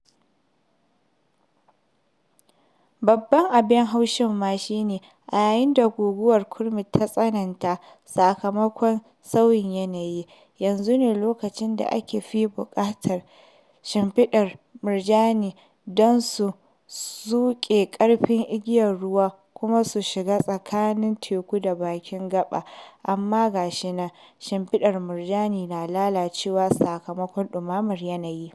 Babban abin haushin ma shi ne, a yayin da guguwar kurmi ta tsananta sakamakon sauyin yanayi, yanzu ne lokacin da aka fi buƙatar shimfiɗar murjanin don su zuƙe ƙarfin igiyar ruwa kuma su shiga tsakanin teku da bakin gaɓa - amma ga shi nan shimfiɗar murjanin na lalacewa sakamakon ɗumamar yanayi.